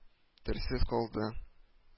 Телсез калды